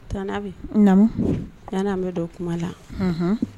Tanti Abi namu yan'an bɛ don kuma na